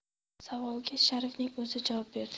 savolga sharifning o'zi javob berdi